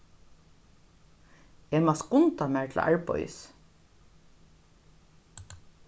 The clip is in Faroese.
eg má skunda mær til arbeiðis